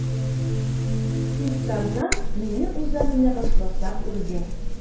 Тик Тарзан мине уза менә башласак үргә.